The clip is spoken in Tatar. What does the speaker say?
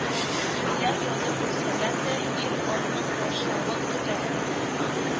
Миләр, янып үлсәләр дә, ир-атның башлавын көтәләр